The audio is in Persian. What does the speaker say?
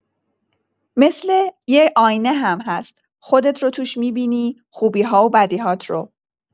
مثل یه آینه هم هست، خودت رو توش می‌بینی، خوبی‌ها و بدی‌هات رو.